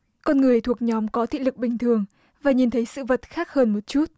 con người thuộc nhóm có thị lực bình thường và nhìn thấy sự vật khác hơn một chút